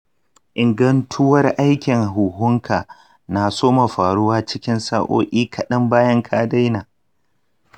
ingantuwar aikin huhunka na soma faruwa cikin sa’o’i kaɗan bayan ka daina.